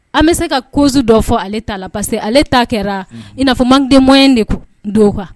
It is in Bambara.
An bɛ se ka cause dɔ fɔ ale ta la parce que ale ta kɛra inafɔ manque de moyen de kn do quoi